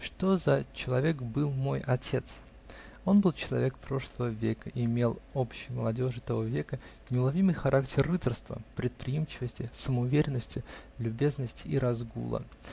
ЧТО ЗА ЧЕЛОВЕК БЫЛ МОЙ ОТЕЦ? Он был человек прошлого века и имел общий молодежи того века неуловимый характер рыцарства, предприимчивости, самоуверенности, любезности и разгула.